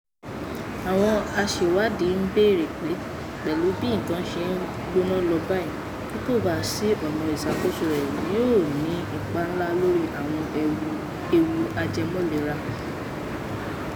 Àwọn aṣèwádìí ń bẹ̀rù pé pẹ̀lú bí nǹkan ṣe ti ń gbóná lọ báyìí, bí kò bá sí ọ̀nà ìṣàkóso rẹ̀, yóò ni ipa ńlá lórí àwọn ewu ajẹmọ́lera.